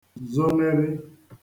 zonerī